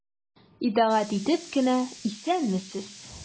Итагать итеп кенә:— Исәнмесез!